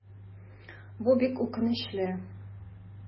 Бу бик үкенечле.